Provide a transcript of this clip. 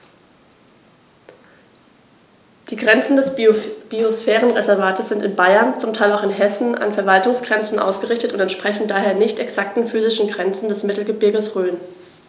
Die Grenzen des Biosphärenreservates sind in Bayern, zum Teil auch in Hessen, an Verwaltungsgrenzen ausgerichtet und entsprechen daher nicht exakten physischen Grenzen des Mittelgebirges Rhön.